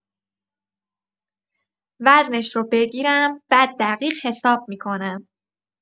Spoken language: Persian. وزنش رو بگیرم، بعد دقیق حساب می‌کنم.